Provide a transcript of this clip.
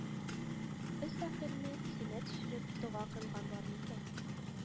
Без фәкыйрьне исенә төшереп дога кыйлган бар микән